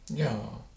jaa